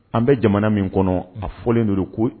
An be jamana min kɔnɔ a fɔlen dedon ko